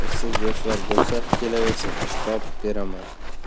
ishsiz yoshlar bo'lsa kelaversin ish topib beraman